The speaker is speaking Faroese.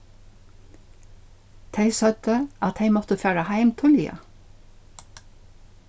tey søgdu at tey máttu fara heim tíðliga